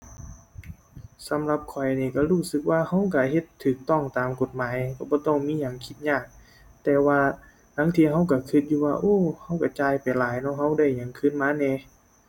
สำหรับข้อยนี่ก็รู้สึกว่าก็ก็เฮ็ดก็ต้องตามกฎหมาย ก็บ่ต้องมีหยังคิดยาก แต่ว่าลางเที่ยก็ก็ก็อยู่ว่า โอ้ ก็ก็จ่ายไปหลายเนาะ ก็ได้หยังคืนมาแหน่